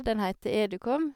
Den heter EduCom.